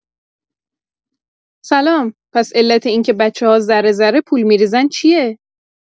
سلام پس علت اینکه بچه‌ها ذره‌ذره پول می‌ریزن چیه